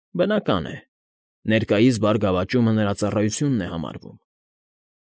Բնական է, ներկայիս բարգավաճումը նրա ծառայությունն է համարվում։